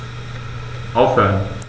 Aufhören.